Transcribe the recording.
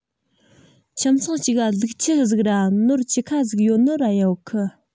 ཁྱིམ ཚང གཅིག ག ལུག ཁྱུ ཟིག ར ནོར བཅུ ཁ ཟིག ཡོད ནོ ར ཡོད གི